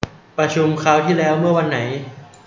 ประชุมคราวที่แล้วเมื่อวันไหน